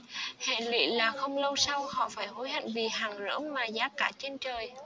hệ lụy là không lâu sau họ phải hối hận vì hàng rởm mà giá cả trên trời